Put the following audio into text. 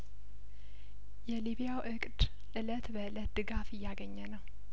የሊቢያው እቅድ እለት በእለት ድጋፍ እያገኘ ነው